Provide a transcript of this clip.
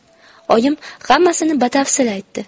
oyim hammasini batafsil aytdi